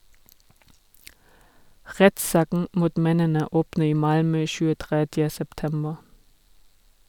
Rettssaken mot mennene åpner i Malmö 23. september.